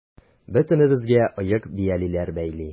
Бөтенебезгә оек-биялиләр бәйли.